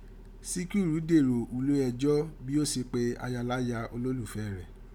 Sikiru dèrò ulé ẹjọ́ bí ó si pè ayaláya olólùfẹ́ rẹ̀.